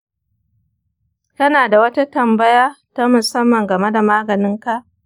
kana da wata tambaya ta musamman game da maganinka?